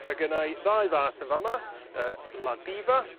Mae gynnai ddau fath yn fa' 'ma yy la diva